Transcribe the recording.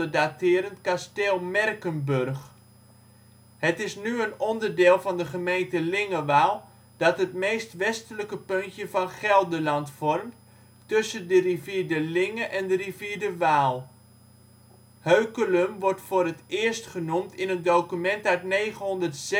daterend kasteel Merckenburg. Het is nu een onderdeel van de gemeente Lingewaal dat het meest westelijke puntje van Gelderland vormt tussen de rivier de Linge en de rivier de Waal. Heukelum wordt voor het eerst genoemd in een document uit 996